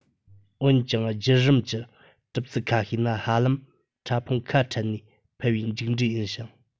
འོན ཀྱང རྒྱུད རིམ གྱི གྲུབ ཚུལ ཁ ཤས ནི ཧ ལམ ཕྲ ཕུང ཁ ཕྲལ ནས འཕེལ བའི མཇུག འབྲས ཡིན ཞིང